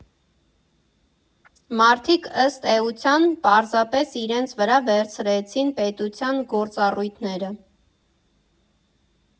Մարդիկ ըստ էության պարզապես իրենց վրա վերցրեցին պետության գործառույթները։